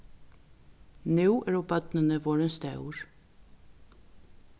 nú eru børnini vorðin stór